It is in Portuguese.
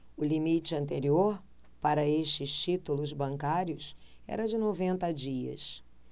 o limite anterior para estes títulos bancários era de noventa dias